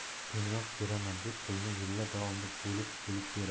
yoki keyinroq beraman deb pulni yillar davomida bo'lib bo'lib beradi